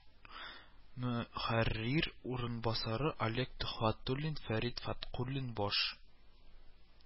Мөхәррир урынбасары , олег төхвәтуллин, фәрит фаткуллин баш